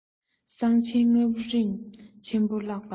གསང ཆེན སྔགས རིམ ཆེན མོ བཀླགས པ ན